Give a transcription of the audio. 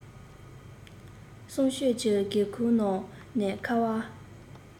གསང སྤྱོད ཀྱི སྒེའུ ཁུང ནས ཁ བ